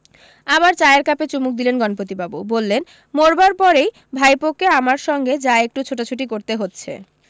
আবার চায়ের কাপে চুমুক দিলেন গণপতিবাবু বললেন মরবার পরেই ভাইপোকে আমার সঙ্গে যা একটু ছোটাছুটি করতে হচ্ছে